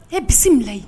E bisimila bila yen